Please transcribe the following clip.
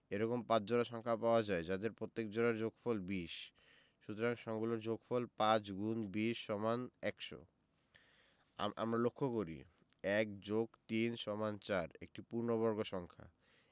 এরকম ৫ জোড়া সংখ্যা পাওয়া যায় যাদের প্রত্যেক জোড়ার যোগফল ২০ সুতরাং সংখ্যা গুলোর যোগফল ৫*২০=১০০ আম আমরা লক্ষ করি ১+৩=৪ একটি পূর্ণবর্গ সংখ্যা